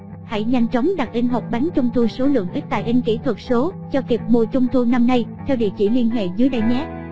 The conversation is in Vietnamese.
hãy nhanh chóng đặt in hộp bánh trung thu số lượng ít tại inkythuatso cho kịp mùa trung thu năm nay theo địa chỉ theo địa chỉ liên hệ dưới đây nhé